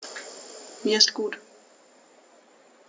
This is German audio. Mir ist gut.